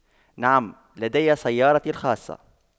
نعم لدي سيارتي الخاصة